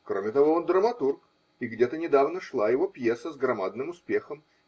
кроме того, он драматург, и где-то недавно шла его пьеса с громадным успехом